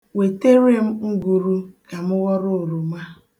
Wetere m nguru ka m ghọrọ oroma.